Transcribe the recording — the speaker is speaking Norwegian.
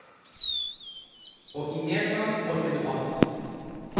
- Og i medgang orker du alt.